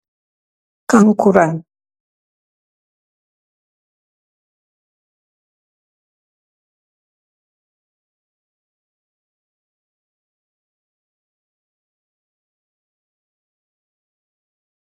Kankurang mugui sollou lou titlou